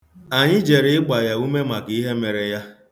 Anyị jere ịgba ya ume maka ihe mere ya.